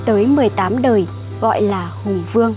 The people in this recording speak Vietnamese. tới đời gọi là hùng vương